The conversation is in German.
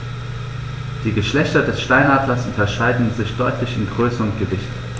Die Geschlechter des Steinadlers unterscheiden sich deutlich in Größe und Gewicht.